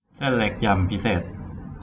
เส้นเล็กยำพิเศษ